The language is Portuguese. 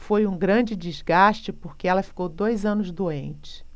foi um grande desgaste porque ela ficou dois anos doente